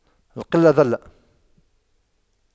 القلة ذلة